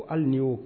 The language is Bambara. Hali ni ye oo